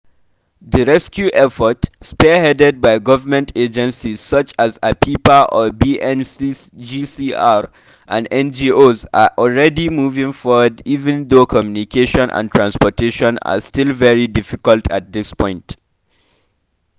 The rescue effort, spearheaded by government agencies such as Apipa or BNGCR and NGOs, are already moving forward even though communication and transportation are still very difficult at this point.